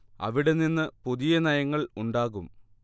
അവിടെ നിന്ന് പുതിയ നയങ്ങൾ ഉണ്ടാകും